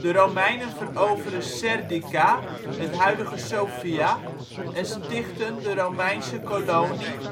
Romeinen veroveren Serdica (huidige Sofia) en stichtten de Romeinse kolonie